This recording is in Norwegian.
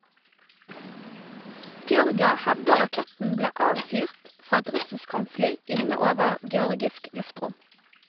Georgia hevder raketten ble avfyrt fra et russisk kampfly inne over georgisk luftrom.